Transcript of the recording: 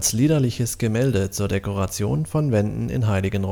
liederliches Gemälde zur Dekoration von Wänden in heiligen